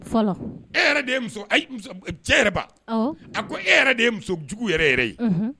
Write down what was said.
Fɔlɔ e cɛ a ko e yɛrɛ de ye musojugu yɛrɛ yɛrɛ ye